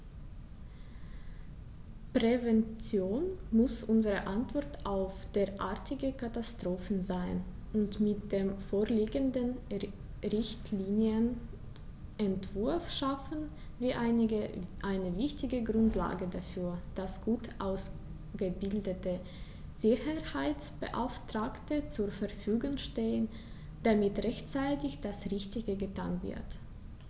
Prävention muss unsere Antwort auf derartige Katastrophen sein, und mit dem vorliegenden Richtlinienentwurf schaffen wir eine wichtige Grundlage dafür, dass gut ausgebildete Sicherheitsbeauftragte zur Verfügung stehen, damit rechtzeitig das Richtige getan wird.